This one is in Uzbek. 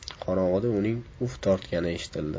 qorong'ida uning uf tortgani eshitildi